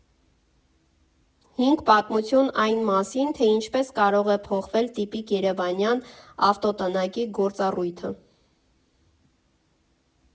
Հինգ պատմություն այն մասին, թե ինչպես կարող է փոխվել տիպիկ երևանյան ավտոտնակի գործառույթը։